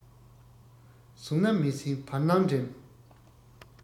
བཟུང ན མི ཟིན བར སྣང འགྲིམ